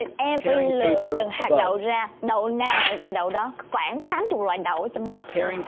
em phải lựa từng hạt đậu ra đậu nào ra đậu đó khoảng tám chục loại đậu ở trong đó thôi